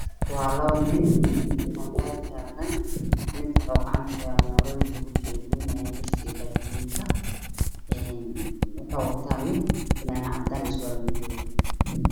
Waa laba wiil oo farsamo yaqaan mid waxa uu wataa fanaanad cadaan fanaanad ayaa waxaanayaan